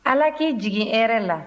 ala k'i jigin hɛrɛ la